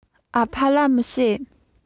ཨ ཕ ལ མི བཤད